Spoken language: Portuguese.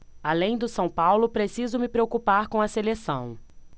além do são paulo preciso me preocupar com a seleção